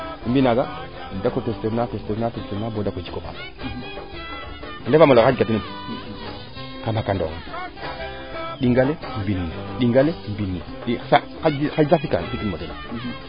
im fi naaga im dako tester naak dako jiku naak ande faamole xanj ka tino ɗingale mbine a ɗingale mbine